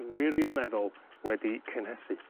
wiriolneddol wedi cynhysu.